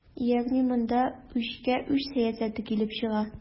Ягъни монда үчкә-үч сәясәте килеп чыга.